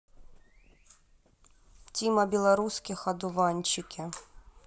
тима белорусских одуванчики